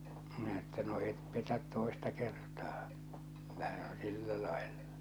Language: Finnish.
minä että no et petä toista kertaa kyllä se on sillä lailla